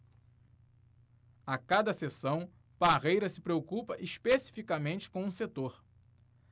a cada sessão parreira se preocupa especificamente com um setor